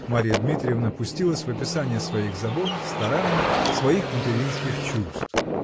Марья Дмитриевна пустилась в описание своих забот, стараний, своих материнских чувств.